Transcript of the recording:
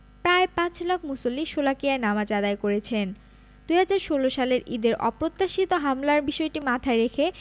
শোলাকিয়ায় নামাজ আদায় করেছেন ২০১৬ সালের ঈদের অপ্রত্যাশিত হামলার বিষয়টি মাথায় রেখে